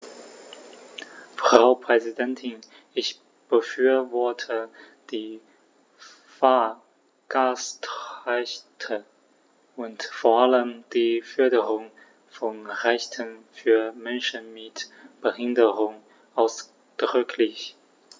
Frau Präsidentin, ich befürworte die Fahrgastrechte und vor allem die Förderung von Rechten für Menschen mit Behinderung ausdrücklich.